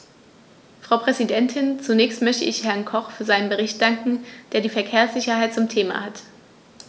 Frau Präsidentin, zunächst möchte ich Herrn Koch für seinen Bericht danken, der die Verkehrssicherheit zum Thema hat.